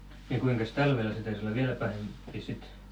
ja kuinkas talvella se taisi olla vielä pahempi sitten